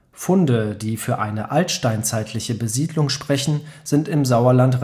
Funde, die für eine altsteinzeitliche Besiedlung sprechen, sind im Sauerland